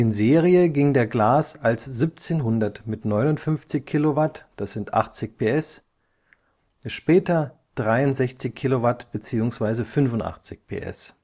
Serie ging der Glas als 1700 mit 59 kW (80 PS), später 63 kW (85 PS